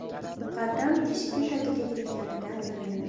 muqaddam eshigi tagiga yetganidan keyin